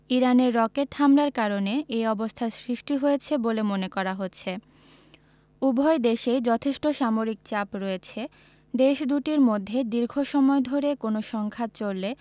ইরানের রকেট হামলার কারণে এ অবস্থার সৃষ্টি হয়েছে বলে মনে করা হচ্ছে উভয় দেশেই যথেষ্ট সামরিক চাপ রয়েছে দেশ দুটির মধ্যে দীর্ঘ সময় ধরে কোনো সংঘাত চললে